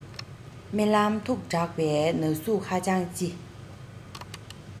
རྨི ལམ མཐུགས དྲགས པས ན ཟུག ཧ ཅང ལྕི